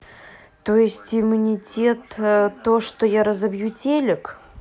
то есть иммунитет то что я разобью телик